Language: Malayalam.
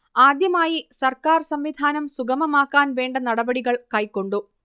ആദ്യമായി സർക്കാർ സംവിധാനം സുഗമമാക്കാൻ വേണ്ട നടപടികൾ കൈക്കൊണ്ടു